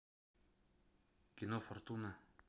кино фортуна